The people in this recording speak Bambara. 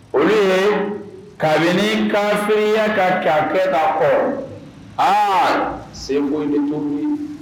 O kabini kafeya ka' kɛ da kɔ h senbon nito ye